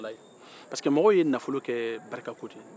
pariseke mɔgɔw ye nafolo kɛ barikako de ye